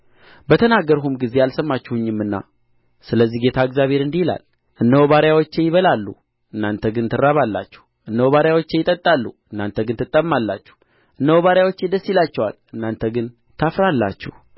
በተናገርሁም ጊዜ አልሰማችሁኝምና ስለዚህ ጌታ እግዚአብሔር እንዲህ ይላል እነሆ ባሪያዎቼ ይበላሉ እናንተ ግን ትራባላችሁ